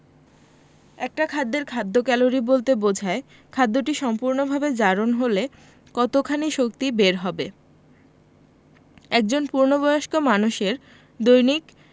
একটা খাদ্যের খাদ্য ক্যালোরি বলতে বোঝায় খাদ্যটি সম্পূর্ণভাবে জারণ হলে কতখানি শক্তি বের হবে একজন পূর্ণবয়স্ক মানুষের দৈনিক